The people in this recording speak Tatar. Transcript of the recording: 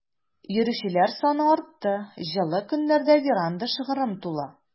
Йөрүчеләр саны артты, җылы көннәрдә веранда шыгрым тулы.